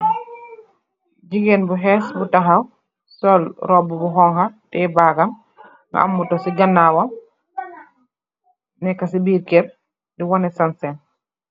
Gigeen bu hees taw sul robu bu xong khu teyeh bagam ma am motor si ganawam si bir kerr